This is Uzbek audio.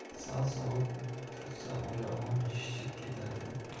sal sovuq tursa oyog'im shishib ketadi